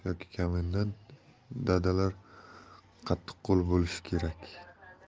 yoki komendant dadalar qattiqqo'l bo'lishi kerak